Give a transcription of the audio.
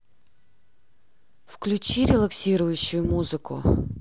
включи релаксирующую музыку